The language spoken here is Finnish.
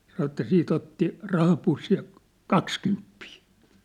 sanoi että sitten otti rahapussin ja kaksikymppiä